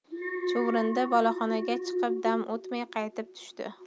chuvrindi boloxonaga chiqib dam o'tmay qaytib tushdi